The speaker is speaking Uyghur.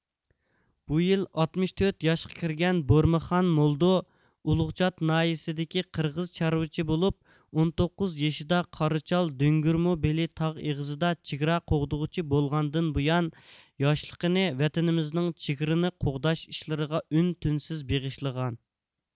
بۇ يىل ئاتمىش تۆت ياشقا كىرگەن بۇرمىخان مولدو ئۇلۇغچات ناھىيىسىدىكى قىرغىز چارۋىچى بولۇپ ئون توققۇز يېشىدا قاراچال دۆڭگۆرمۆ بېلى تاغ ئېغىزى دا چېگرا قوغدىغۇچى بولغاندىن بۇيان ياشلىقىنى ۋەتىنىمىزنىڭ چېگرىنى قوغداش ئىشلىرىغا ئۈن تىنسىز بېغىشلىغان